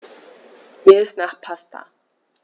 Mir ist nach Pasta.